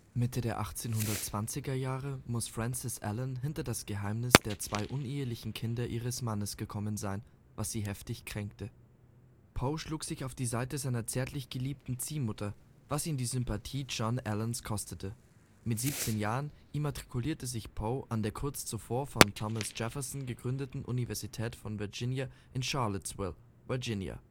Mitte der 1820er Jahre muss Frances Allan hinter das Geheimnis ihres Mannes gekommen sein, dass er zwei uneheliche Kinder hat, was sie heftig kränkte. Poe schlug sich auf die Seite seiner zärtlich geliebten Ziehmutter, was ihn die Sympathie John Allans kostete. Mit 17 Jahren immatrikulierte sich Poe an der kurz zuvor von Thomas Jefferson gegründeten Universität von Virginia in Charlottesville, Virginia